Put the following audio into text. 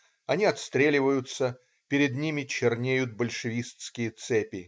Они отстреливаются - перед ними чернеют большевистские цепи.